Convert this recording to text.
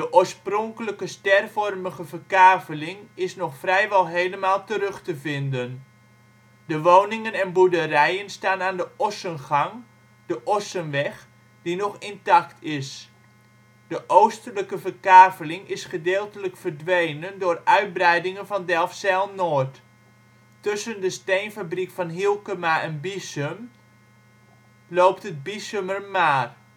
oorspronkelijke stervormige verkaveling is nog vrijwel helemaal terug te vinden. De woningen en boerderijen staan aan de ossengang (De Ossenweg) die nog intact is. De oostelijke verkaveling is gedeeltelijk verdwenen door uitbreidingen van Delfzijl-Noord. Tussen de steenfabriek van Hylkema en Biessum loopt het Biessumermaar